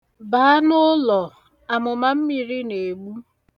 Baa n'ụlọ! amụmammiri na-egbu.